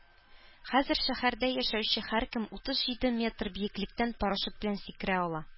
Хәзер шәһәрдә яшәүче һәркем утыз җиде метр биеклектән парашют белән сикерә ала